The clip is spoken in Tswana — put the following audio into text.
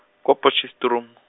ko Potchefstroom .